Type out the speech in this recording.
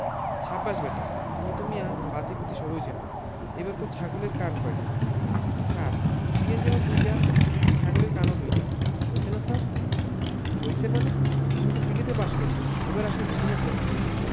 সাব্বাস ব্যাটা তুমি তো মিয়া বাতিবুতি সবই চেনো এইবার কও ছাগলের কান কয়ডা ছার সিগনেল যেমুন দুইডা ছাগলের কানও দুইডা হইছে না ছার হইছে মানে তুমি তো প্রিলিতে পাস করছ এইবার আসো রিটেনের প্রশ্ন জিগাই.